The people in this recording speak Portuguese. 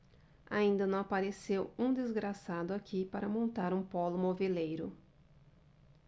ainda não apareceu um desgraçado aqui para montar um pólo moveleiro